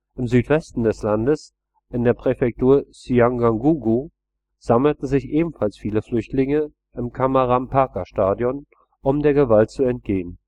Im Südwesten des Landes, in der Präfektur Cyangugu, sammelten sich ebenfalls viele Flüchtlinge im Kamarampaka-Stadion, um der Gewalt zu entgehen